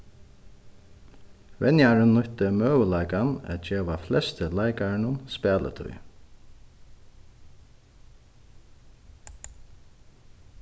venjarin nýtti møguleikan at geva flestu leikarunum spælitíð